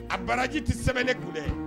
A baraji tɛ sɛbɛn ne kun dɛ